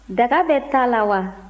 daga bɛ ta la wa